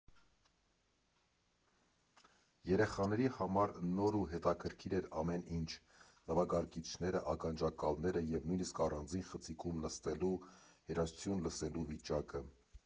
Երեխաների համար նոր ու հետաքրքիր էր ամեն ինչ՝ նվագարկիչները, ականջակալները և նույնիսկ առանձին խցիկում նստելու, երաժշտություն լսելու վիճակը։